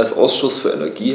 Als Ausschuss für Energie